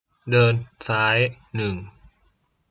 เดินซ้ายหนึ่ง